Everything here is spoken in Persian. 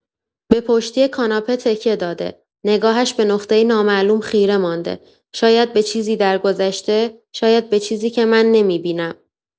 به پشتی کاناپه تکیه داده، نگاهش به نقطه‌ای نامعلوم خیره مانده، شاید به چیزی درگذشته، شاید به چیزی که من نمی‌بینم.